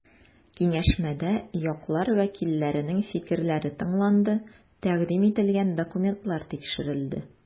Киңәшмәдә яклар вәкилләренең фикерләре тыңланды, тәкъдим ителгән документлар тикшерелде.